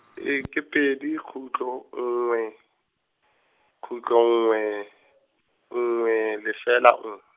e ke pedi khutlo nngwe , khutlo nngwe , nngwe lefela nng-.